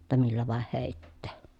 jotta millä vain heittää